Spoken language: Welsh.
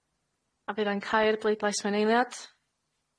A fyddai'n cau'r bleidlais mewn eiliad.